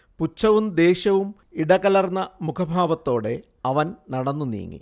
പുച്ഛവും ദേഷ്യവും ഇടകലർന്ന മുഖഭാവത്തോടെ അവൻ നടന്നുനീങ്ങി